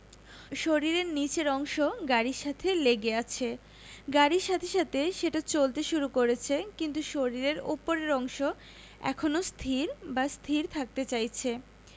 শরীরের নিচের অংশ গাড়ির সাথে লেগে আছে গাড়ির সাথে সাথে সেটা চলতে শুরু করেছে কিন্তু শরীরের ওপরের অংশ এখনো স্থির এবং স্থির থাকতে চাইছে